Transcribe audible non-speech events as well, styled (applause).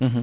(hesitation) (hesitation)